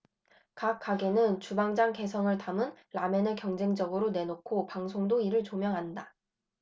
각 가게는 주방장 개성을 담은 라멘을 경쟁적으로 내놓고 방송도 이를 조명한다